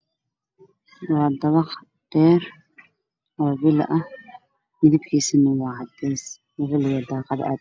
Waa dabaq dheer oo sar ah midabkiisu waa cadeys.